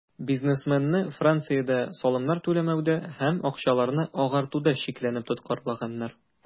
Бизнесменны Франциядә салымнар түләмәүдә һәм акчаларны "агартуда" шикләнеп тоткарлаганнар.